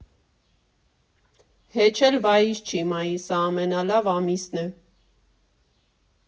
Հեչ էլ վայիս չի մայիսը, ամենալավ ամիսն է։